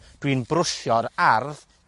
Dwi'n brwsio'r ardd